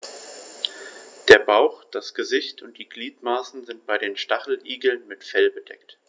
Der Bauch, das Gesicht und die Gliedmaßen sind bei den Stacheligeln mit Fell bedeckt.